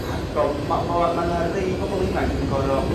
argol ma' bobo- ma' 'na rei bobol ifanc yn gor'o'